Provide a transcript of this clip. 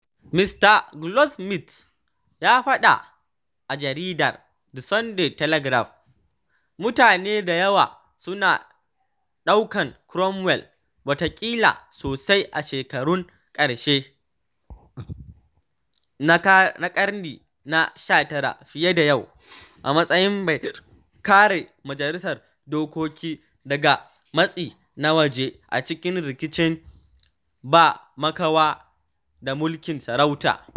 Mista Goldsmith ya faɗa a jaridar The Sunday Telegraph: “Mutane da yawa suna ɗaukan Cromwell, watakila sosai a shekarun karshe na karni na 19 fiye da yau, a matsayin mai kare majalisar dokoki daga matsi na waje, a cikin rikicin ba makawa da mulkin sarauta.